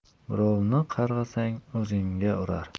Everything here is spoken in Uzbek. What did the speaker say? birovni qarg'asang o'zingga urar